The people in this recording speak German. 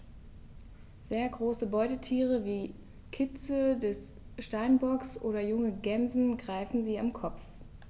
Sehr große Beutetiere wie Kitze des Steinbocks oder junge Gämsen greifen sie am Kopf.